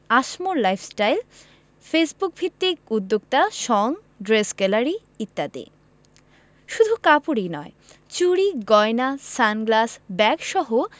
আসমোর lifestyle ফেসবুকভিত্তিক উদ্যোক্তা সঙ ড্রেস গ্যালারি ইত্যাদি শুধু কাপড়ই নয় চুড়ি গয়না সানগ্লাস ব্যাগসহ